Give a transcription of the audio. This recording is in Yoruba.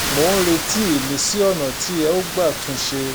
Mo ń retí ìmísí ọ̀nà tí ẹ ó gbà tún un ṣe.